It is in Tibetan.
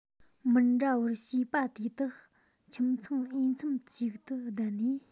མི འདྲ བར བྱིས པ དེ དག ཁྱིམ ཚང འོས འཚམ ཞིག ཏུ བསྡད ནས